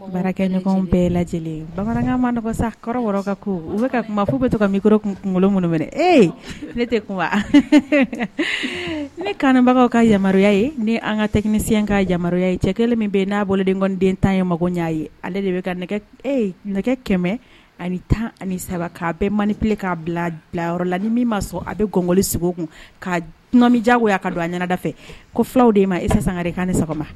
Baarakɛɲɔgɔnw bɛɛ lajɛ lajɛlen bamanankan mana nɔgɔkɔsa kɔrɔ ka ko u bɛ ka kuma fou bɛ to ka mikɔrɔ kun kunkolokolon minnu minɛ ee ne tɛ kuma ni kanbagaw ka yamaruyaya ye ni an ka tɛmɛsi ka yamaruyaya ye cɛ kɛlen min bɛ n'a bolodenkden tan ye magoya ye ale de bɛ ka nɛgɛ nɛgɛ kɛmɛ ani tan ani saba'a bɛ man pe k'a bila bilayɔrɔ la ni min ma sɔn a bɛ ggoli segu kun ka dunanmijago y'a ka don a ɲɛnada fɛ ko fulaw de ma e sangare kan ni sɔgɔma